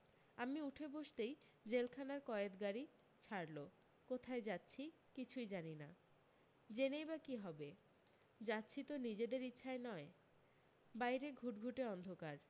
আমি উঠে বসতেই জেলখানার কয়েদগাড়ি ছাড়ল কোথায় যাচ্ছি কিছুই জানি না জেনই বা কী হবে যাচ্ছি তো নিজেদের ইচ্ছায় নয় বাইরে ঘুটঘুটে অন্ধকার